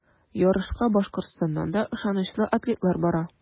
Ярышка Башкортстаннан да ышанычлы атлетлар бара.